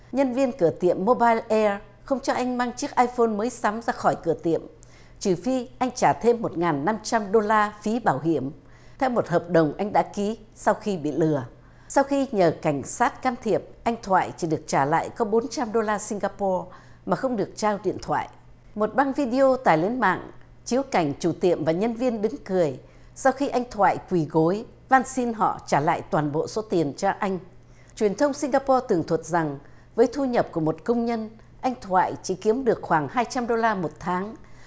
nhân viên cửa tiệm mô bai e không cho anh mang chiếc ai phôn mới sắm ra khỏi cửa tiệm trừ phi anh trả thêm một ngàn năm trăm đô la phí bảo hiểm theo một hợp đồng anh đã ký sau khi bị lừa sau khi nhờ cảnh sát can thiệp anh thoại chỉ được trả lại có bốn trăm đô la sing ga po mà không được trao điện thoại một băng vi đi ô tải lên mạng chiếu cảnh chủ tiệm và nhân viên đứng cười sau khi anh thoại quỳ gối van xin họ trả lại toàn bộ số tiền cho anh truyền thông sing ga po tường thuật rằng với thu nhập của một công nhân anh thoại chỉ kiếm được khoảng hai trăm đô la một tháng